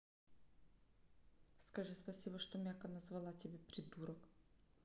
скажи спасибо что мягко назвала тебя придурок